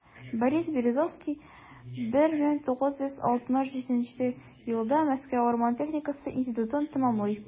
Борис Березовский 1967 елда Мәскәү урман техникасы институтын тәмамлый.